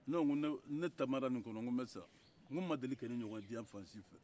ne ko ni ne taamara ni kɔnɔ ko n bɛ sa n ko ne ma deli ka ni ɲɔgɔn ye diɲɛ fan si fɛ